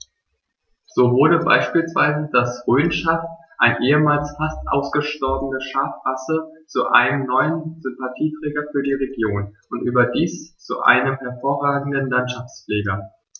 So wurde beispielsweise das Rhönschaf, eine ehemals fast ausgestorbene Schafrasse, zu einem neuen Sympathieträger für die Region – und überdies zu einem hervorragenden Landschaftspfleger.